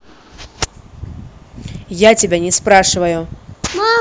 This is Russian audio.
я тебя не спрашивают